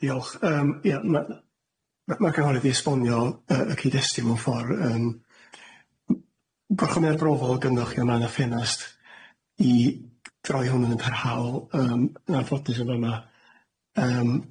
Ie diolch yym ie ma' ma' ma' cynghorydd i esbonio yy y cyd-destun mewn ffor' yym m- gorffen ni ar brofol o gyngoch i o man y ffenast i droi hwn yn d'rhaol yym na'r flodus yn fan'a yym.